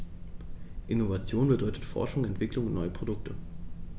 Innovation bedeutet Forschung, Entwicklung und neue Produkte.